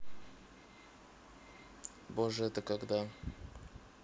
боже это когда